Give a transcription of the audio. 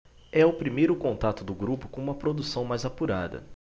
é o primeiro contato do grupo com uma produção mais apurada